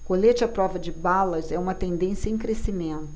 colete à prova de balas é uma tendência em crescimento